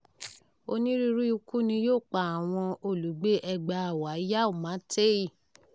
Onírúurú ikú ni yóò pa gbogbo àwọn olùgbée 20,000 Yau Ma Tei.